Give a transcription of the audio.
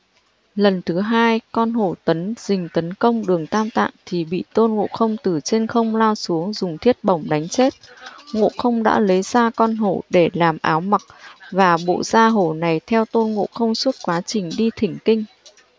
lần thứ hai con hổ tấn rình tấn công đường tam tạng thì bị tôn ngộ không từ trên không lao xuống dùng thiết bổng đánh chết ngộ không đã lấy da con hổ để làm áo mặc và bộ da hổ này theo tôn ngộ không suốt quá trình đi thỉnh kinh